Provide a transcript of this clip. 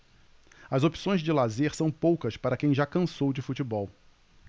as opções de lazer são poucas para quem já cansou de futebol